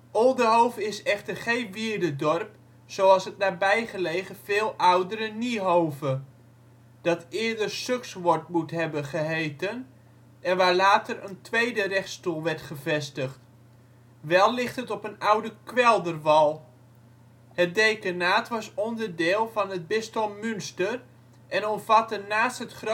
Oldehove is echter geen wierdedorp (terpdorp), zoals het nabijgelegen veel oudere Niehove, dat eerder Suxwort moet hebben geheten, en waar later een tweede rechtstoel werd gevestigd. Wel ligt het op een oude kwelderwal. Het dekenaat was onderdeel van het bisdom Münster, en omvatte naast het